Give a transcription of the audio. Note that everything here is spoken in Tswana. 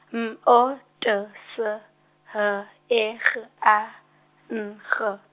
M O T S H E G A N G.